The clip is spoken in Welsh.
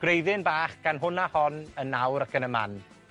Gwreiddyn bach gan hwn a hon yn nawr ac yn y man.